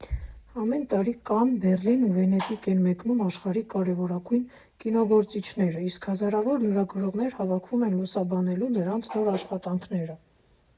Ամեն տարի Կանն, Բեռլին ու Վենետիկ են մեկնում աշխարհի կարևորագույն կինոգործիչները, իսկ հազարավոր լրագրողներ հավաքվում են լուսաբանելու նրանց նոր աշխատանքները։